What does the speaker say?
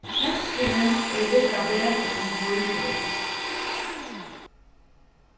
teksturin hevði riggað betur sum hvítur